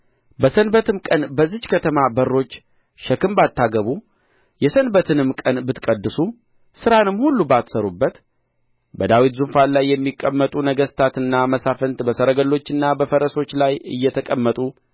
በሰንበትም ቀን በዚህች ከተማ በሮች ሸክም ባታገቡ የሰንበትንም ቀን ብትቀድሱ ሥራንም ሁሉ ባትሠሩበት በዳዊት ዙፋን ላይ የሚቀመጡ ነገሥታትና መሳፍንት በሰረገሎችና በፈረሶች ላይ እየተቀመጡ